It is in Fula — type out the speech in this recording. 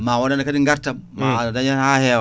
ma wonane kadi gartam an aɗa daña hen ha hewa